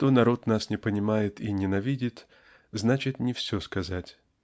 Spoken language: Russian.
что народ нас не понимает и ненавидит значит не все сказать.